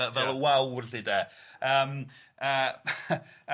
fel y wawr 'lly de yym yy ac yym